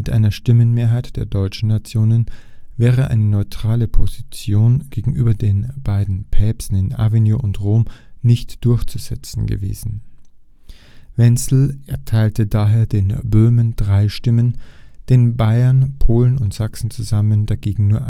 einer Stimmenmehrheit der deutschen Nationen wäre eine neutrale Position gegenüber den beiden Päpsten in Avignon und Rom nicht durchzusetzen gewesen. Wenzel erteilte daher den Böhmen drei Stimmen, den Bayern, Polen und Sachsen zusammen dagegen